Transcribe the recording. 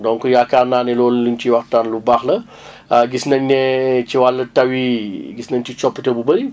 donc yaakaar naa ne loolu lim ci wax daal lu baax la gis nañ ne ci wàllu taw yi gis nañ ci coppite bu bëri